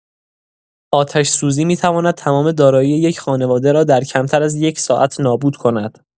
آتشوزی می‌تواند تمام دارایی یک خانواده را در کمتر از یک ساعت نابود کند.